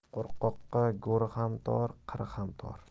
qo'rqoqqa go'r ham tor qir ham tor